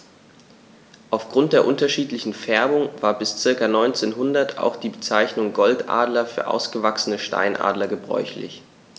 Auf Grund der unterschiedlichen Färbung war bis ca. 1900 auch die Bezeichnung Goldadler für ausgewachsene Steinadler gebräuchlich.